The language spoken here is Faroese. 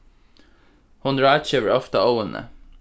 hon ráðgevur ofta óðini